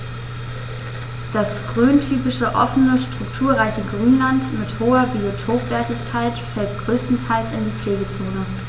Das rhöntypische offene, strukturreiche Grünland mit hoher Biotopwertigkeit fällt größtenteils in die Pflegezone.